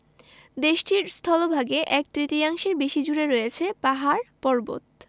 দেশটির স্থলভাগে এক তৃতীয়াংশের বেশি জুড়ে রয়েছে পাহাড় পর্বত